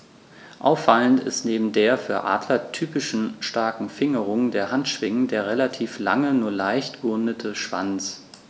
Auffallend ist neben der für Adler typischen starken Fingerung der Handschwingen der relativ lange, nur leicht gerundete Schwanz.